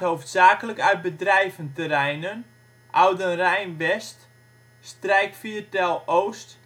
hoofdzakelijk uit bedrijventerreinen: Oudenrijn (west), Strijkviertel (oost),